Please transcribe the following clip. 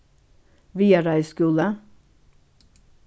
viðareiðis skúli